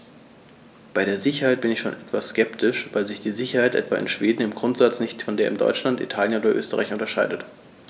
Bei der Sicherheit bin ich schon etwas skeptisch, weil sich die Sicherheit etwa in Schweden im Grundsatz nicht von der in Deutschland, Italien oder Österreich unterscheidet.